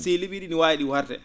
si li?ii ?i ?i waawi ?i warde